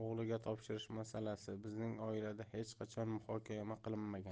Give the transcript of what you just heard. bizning oilada hech qachon muhokama qilinmagan